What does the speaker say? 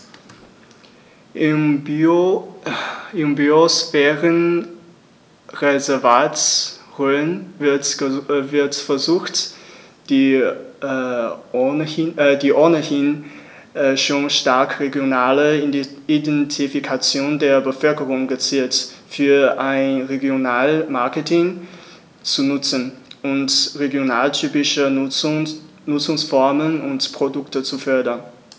Im Biosphärenreservat Rhön wird versucht, die ohnehin schon starke regionale Identifikation der Bevölkerung gezielt für ein Regionalmarketing zu nutzen und regionaltypische Nutzungsformen und Produkte zu fördern.